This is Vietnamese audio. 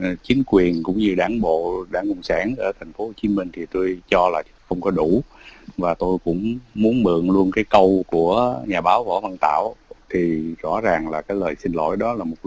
chính quyền cũng như đảng bộ đảng cộng sản ở thành phố hồ chí minh thì tôi cho là không có đủ và tôi cũng muốn mượn luôn cái câu của nhà báo võ văn tảo thì rõ ràng là cái lời xin lỗi đó là một